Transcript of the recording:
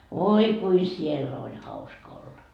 voi kuinka siellä oli hauska olla